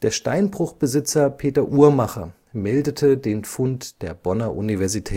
Steinbruchbesitzer Peter Uhrmacher meldete den Fund der Bonner Universität